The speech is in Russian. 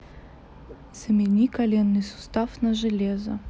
заменили коленный сустав на железо